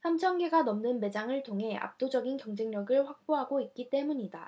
삼천 개가 넘는 매장을 통해 압도적인 경쟁력을 확보하고 있기 때문이다